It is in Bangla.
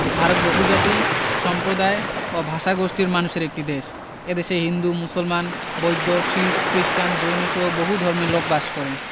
ভারত বহুজাতি সম্প্রদায় অ ভাষাগোষ্ঠীর মানুষের একটি দেশ এ দেশে হিন্দু মুসলমান বৈদ্য শিখ খ্রিস্টান জৈনসহ বহু ধর্মের লোক বাস করে